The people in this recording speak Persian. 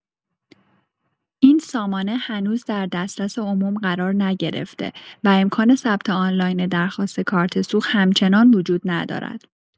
این سامانه هنوز در دسترس عموم قرار نگرفته و امکان ثبت آنلاین درخواست کارت سوخت همچنان وجود ندارد.